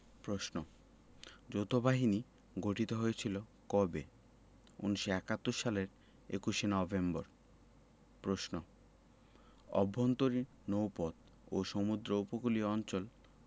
প্রশ্ন যৌথবাহিনী গঠিত হয়েছিল কবে উত্তর ১৯৭১ সালের ২১ নভেম্বর প্রশ্ন আভ্যন্তরীণ নৌপথ ও সমুদ্র উপকূলীয় অঞ্চল